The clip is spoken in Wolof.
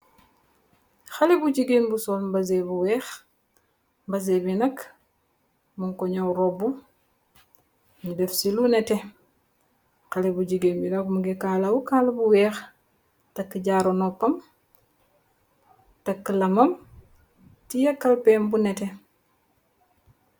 Xale bu jigeen bu sol mbase bu weex, mbase bi nak mungko nyaw robbu, nyu def si lu nete, xale bu jigeen bi mingi kaala wu kaala gu weex, takk jaaru noppam, takk lamam, tiye kalpe bu nete,